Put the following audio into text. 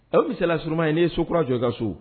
Aw bɛ sela surunman ye ye so kura jɔ i ka so